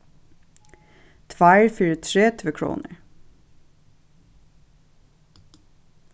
tveir fyri tretivu krónur